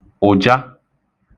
ụ̀ja